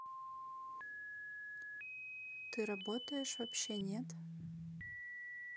ты работаешь вообще нет